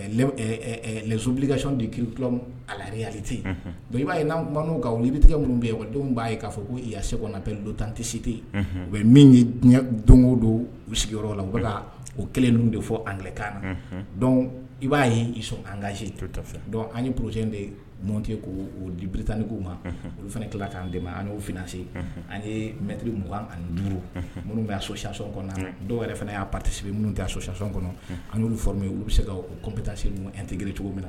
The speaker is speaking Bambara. lɛnzobbilikacon de ki alite bon i b'a ye n kan i bɛ tigɛ minnu bɛ yen wa denw b'a k'a fɔ ko iyase kɔnɔ bɛ lu tantesite yen u bɛ min ye diɲɛ don o don u sigiyɔrɔ la u bɛ o kelen ninnu de fɔ ankan na i b'a ye ii sɔn an kaz tota dɔn ani pzsen de mɔnte ko dibi tanni' ma olu fana kikantɛ ma ani'o fse ani mɛtibi mugan ani duuru minnu bɛ sɔcyantiɔn kɔnɔ dɔw yɛrɛ fana y'a pasi minnu ta sɔctiɔn kɔnɔ an'uoro u bɛ se k' coptan se an tɛ gri cogo minna na